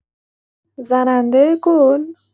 زننده گل؟